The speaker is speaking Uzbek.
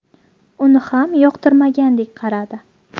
uni ham yoqtirmagandek qaradi